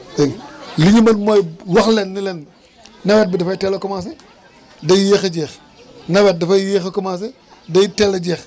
dégg nga li ñu mën mooy wax leen ne leen nawet bi dafay teel a commencé day yéex a jeex nawet dafay yéex a commencé day teel a jeex